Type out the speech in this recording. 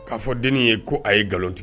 K'a fɔ denni ye ko a ye nkalon tigɛ.